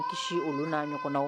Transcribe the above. Kisi olu n'a ɲɔgɔnnaw